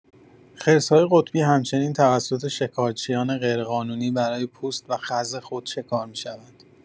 خرس‌های قطبی همچنین توسط شکارچیان غیرقانونی برای پوست و خز خود شکار می‌شوند.